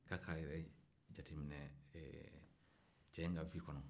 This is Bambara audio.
k'a k'a yɛrɛ jateminɛ cɛ in ka wi kɔnɔ